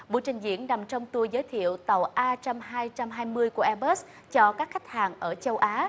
trình diễn nằm trong tua giới thiệu tàu a trăm hai trăm hai mươi của e bớt cho các khách hàng ở châu á